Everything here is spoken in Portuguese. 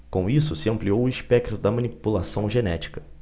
com isso se ampliou o espectro da manipulação genética